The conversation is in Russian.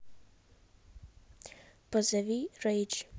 позови rage